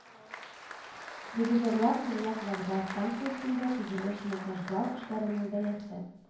Ревизорлар “Төньяк вокзал” станциясендә төзелеш-монтажлау эшләренең бәясен